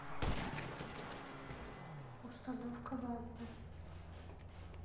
установка ванны